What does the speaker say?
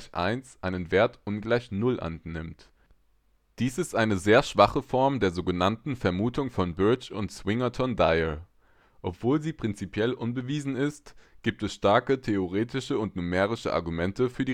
einen Wert ungleich Null annimmt. Dies ist eine sehr schwache Form der sogenannten Vermutung von Birch und Swinnerton-Dyer. Obwohl sie prinzipiell unbewiesen ist, gibt es starke theoretische und numerische Argumente für